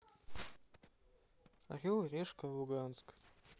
орел и решка луганск